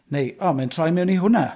Neu "O, mae'n troi mewn i hwnna."